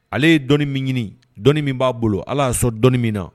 Ale ye dɔnni min ɲini, dɔnni min b'a bolo Ala y'a sɔn min na